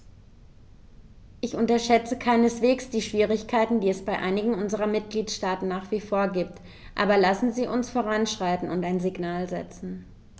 Ich unterschätze keineswegs die Schwierigkeiten, die es bei einigen unserer Mitgliedstaaten nach wie vor gibt, aber lassen Sie uns voranschreiten und ein Signal setzen.